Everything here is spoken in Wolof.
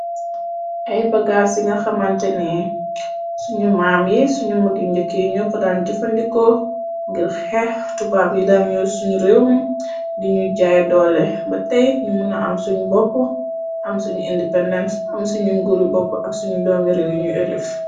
Ay bagaas yi nga xamante ni suñu maam yi suñu magi njëkk yi ñoko daan jëfandikoo. Ngir xeex tubaab yi daanño suñu réew miñ diñu jaay doole ba tey ñu mëna am suñu bopp. Am suñu independence am suñu nguuri bopp. Ak suñu doomi réew yuñuy elif.